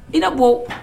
I na bɔ